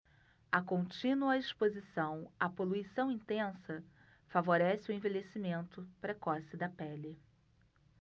a contínua exposição à poluição intensa favorece o envelhecimento precoce da pele